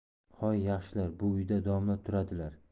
hoy yaxshilar bu uyda domla turadilar